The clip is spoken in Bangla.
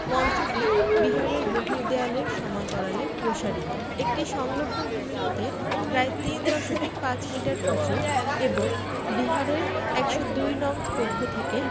মঞ্চটি বিহারের বহির্দেয়ালের সমান্তরালে প্রসারিত একটি সংলগ্ন ভূমি হতে প্রায় ৩ দশমিক ৫ মিটার উঁচু এবং বিহারের ১০২ নং কক্ষ থেকে